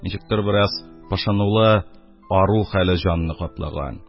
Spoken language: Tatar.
, ничектер бераз пошынулы ару хәле җанны каплаган.